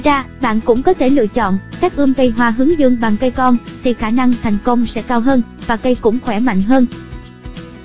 ngoài ra bạn cũng có thể lựa chọn cách ươm cây hoa hướng dương bằng cây con thì khả năng thành công sẽ cao hơn và cây cũng khoẻ mạnh hơn